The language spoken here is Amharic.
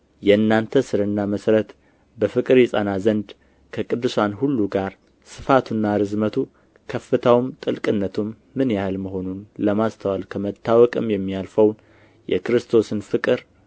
የእናንተ ሥርና መሠረት በፍቅር ይጸና ዘንድ ከቅዱሳን ሁሉ ጋር ስፋቱና ርዝመቱ ከፍታውም ጥልቅነቱም ምን ያህል መሆኑን ለማስተዋል ከመታወቅም የሚያልፈውን የክርስቶስን ፍቅር